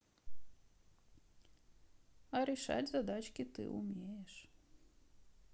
а решать задачки ты умеешь